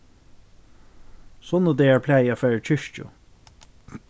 sunnudagar plagi eg at fara í kirkju